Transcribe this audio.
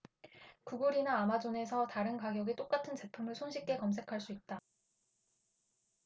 구글이나 아마존에서 다른 가격의 똑같은 제품을 손쉽게 검색할 수 있다